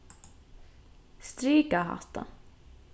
strika hatta